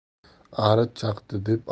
ari chaqdi deb